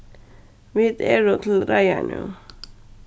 vit eru til reiðar nú